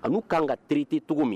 An'u kan ka traité cogo min